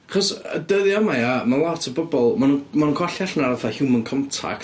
Achos y dyddiau yma, ia, ma' lot o bobl, maen nhw maen nhw'n colli allan ar fatha human contact